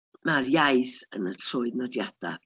Ma'r iaith yn y troednodiadau.